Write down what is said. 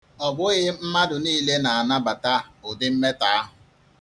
Ọ bụghị mmadụ niile na-anabata ụdị mmetọ ahụ.